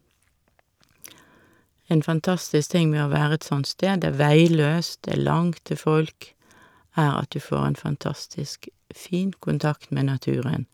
En fantastisk ting med å være et sånt sted, det er veiløst, det er langt til folk, er at du får en fantastisk fin kontakt med naturen.